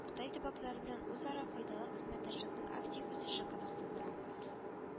Кытай төбәкләре белән үзара файдалы хезмәттәшлекнең актив үсеше кызыксындыра